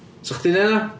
'Sech chdi'n wneud hynna?